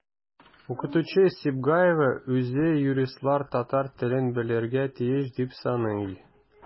Укытучы Сибгаева үзе юристлар татар телен белергә тиеш дип саный.